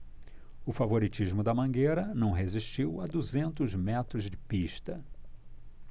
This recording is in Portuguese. o favoritismo da mangueira não resistiu a duzentos metros de pista